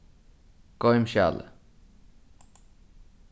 goym skjalið